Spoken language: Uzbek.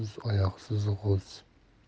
dumsiz oyoqsiz g'oz